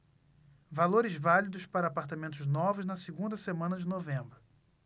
valores válidos para apartamentos novos na segunda semana de novembro